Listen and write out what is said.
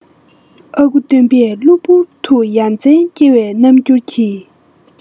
ཨ ཁུ སྟོན པས གློ བོར དུ ཡ མཚན སྐྱེ བའི རྣམ འགྱུར གྱིས